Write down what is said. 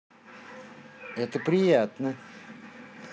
это приятно